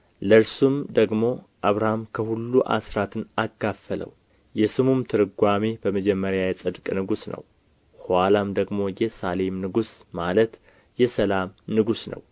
ለእርሱም ደግሞ አብርሃም ከሁሉ አስራትን አካፈለው የስሙም ትርጓሜ በመጀመሪያ የጽድቅ ንጉሥ ነው ኋላም ደግሞ የሳሌም ንጉሥ ማለት የሰላም ንጉሥ ነው